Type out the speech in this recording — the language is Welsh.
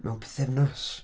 Mewn pythefnos.